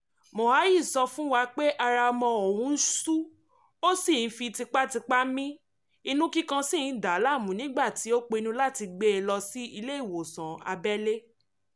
Moahi sọ fún wa pé ara ọmọ-ọmọ òun sú ó sì ń fi tipátipá mí inú kíkan sì ń dàá láàmú nígbà tí ó pinnu láti gbé e lọ sí ilé ìwòsàn abẹ́lé.